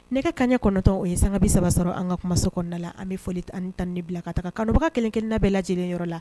Nɛgɛ ka ɲɛ kɔnɔntɔn o ye sanga bi saba sɔrɔ an ka kumaso kɔnɔna na yan an bɛ foli ani tanuni bila ka taga kanubaga kelenkelenna bɛɛ lajɛlen yɔrɔ la